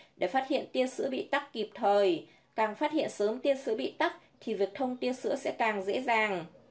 để phát hiện tia sữa bị tắc kịp thời càng phát hiện sớm tia sữa bị tắc thì việc thông tia sữa sẽ càng dễ dàng